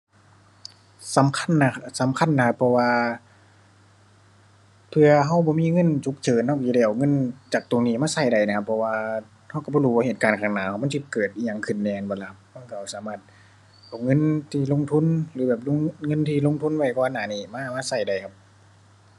สำคัญนะ สำคัญนะ เพราะว่าเผื่อเราบ่มีเงินฉุกเฉิน เราเราสิได้เอาเงินจากตรงนี้มาเราได้นะครับ เพราะว่าเราเราบ่รู้ว่าเหตุการณ์ข้างหน้าว่ามันสิเกิดอีหยังขึ้นแหน่แม่นบ่ล่ะครับ เราเราเอาสามารถเอาเงินที่ลงทุนหรือแบบลง เงินที่ลงทุนไว้ก่อนหน้านี้มา มาเราได้ครับ